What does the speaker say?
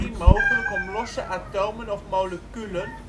mogelijk om losse atomen of moleculen